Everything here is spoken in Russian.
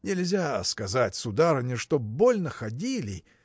– Нельзя сказать, сударыня, чтоб больно ходили.